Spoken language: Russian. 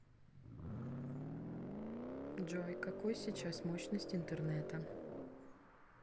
джой какой сейчас мощность интернета